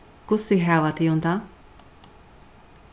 hvussu hava tygum tað